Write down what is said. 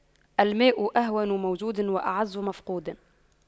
الماء أهون موجود وأعز مفقود